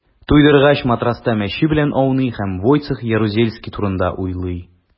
Туйдыргач, матраста мәче белән ауный һәм Войцех Ярузельский турында уйлый.